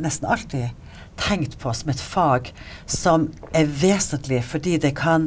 nesten alltid tenkt på som et fag som er vesentlig fordi det kan.